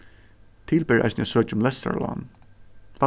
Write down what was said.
til ber eisini at søkja um lestrarlán